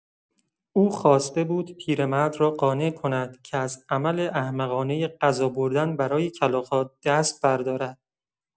او خواسته بود پیرمرد را قانع کند که از عمل احمقانه غذا بردن برای کلاغ‌ها دست بردارد.